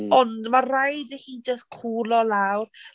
Ond mae rhaid i hi just cwlo lawr.